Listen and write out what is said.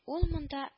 Ул монда